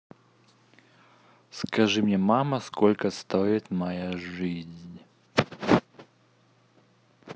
скажи мне мама сколько стоит моя жизнь